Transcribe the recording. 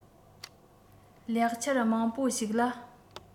ལེགས ཆར མང པོ ཞིག ལ